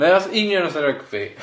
Mae o union fatha rygbi.